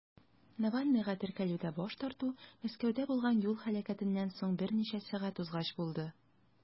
Навальныйга теркәлүдә баш тарту Мәскәүдә булган юл һәлакәтеннән соң берничә сәгать узгач булды.